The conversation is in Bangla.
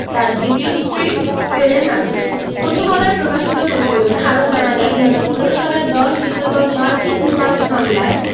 তাঁর দ্বিতীয় স্ত্রী স্পেনের নাগরিক প্রথম আলোয় প্রকাশিত প্রতিবেদনে আরও জানা গেছে ২০১৫ সালের ১০ ডিসেম্বর মার্কিন বিমান হামলায়